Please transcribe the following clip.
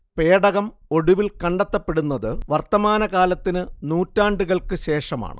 പേടകം ഒടുവിൽ കണ്ടെത്തപ്പെടുന്നത് വർത്തമാനകാലത്തിന് നൂറ്റാണ്ടുകൾക്ക് ശേഷമാണ്